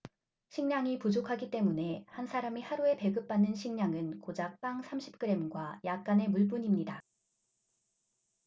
식량이 부족하기 때문에 한 사람이 하루에 배급받는 식량은 고작 빵 삼십 그램과 약간의 물뿐입니다